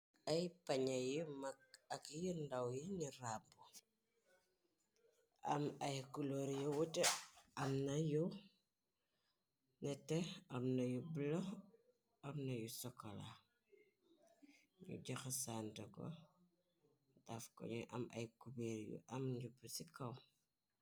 Ay pañye yi mag ak yii ndaw yi nu rabb, am ay kuloor yi wute am na yu nete amna yu bulo amna yu sokala. Nu joxe sànte ko daf ko ñu am ay kubairr yu am nubb ci kaw.